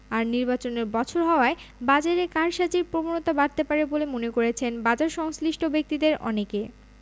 আর নির্বাচনের বছর হওয়ায় বাজারে কারসাজির প্রবণতা বাড়তে পারে বলে মনে করছেন বাজারসংশ্লিষ্ট ব্যক্তিদের অনেকে